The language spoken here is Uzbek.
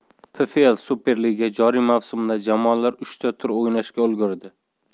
pflsuperliga joriy mavsumida jamoalar uchta tur o'ynashga ulgurdi